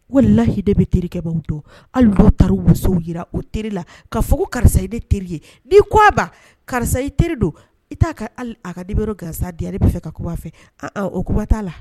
Walahi ne bɛ terikɛ dɔw dɔn hali n'u taraa u ka so jira o teri la ka fo karisa ye ne teri ye ni k'a ma karisa i teri don i t'a ka hali a ka numéro gansan di yan ne b'a fɛ ka kuma a fɛ o kuba t'a la.